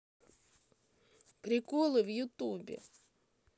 приколы в ютубе